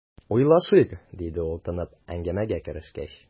"уйлашыйк", - диде ул, тынып, әңгәмәгә керешкәч.